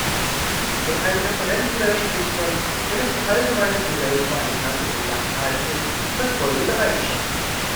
Von einem Referenzmodell spricht man, wenn es ein allgemeines Modell für eine Klasse von Sachverhalten ist, das folgende Eigenschaften hat